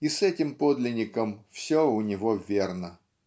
и с этим подлинным все у него верно.